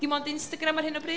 Dim ond Instagram ar hyn o bryd?